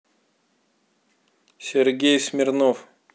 сергей смирнов